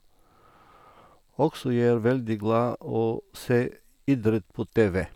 Også jeg er veldig glad å se idrett på TV.